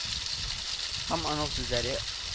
—һәм аның сүзләрне